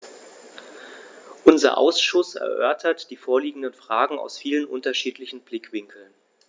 Unser Ausschuss erörtert die vorliegenden Fragen aus vielen unterschiedlichen Blickwinkeln.